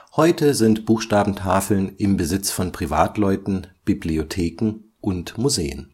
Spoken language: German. Heute sind Buchstabentafeln im Besitz von Privatleuten, Bibliotheken und Museen